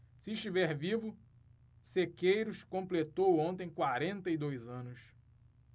se estiver vivo sequeiros completou ontem quarenta e dois anos